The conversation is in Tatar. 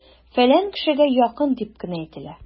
"фәлән кешегә якын" дип кенә әйтелә!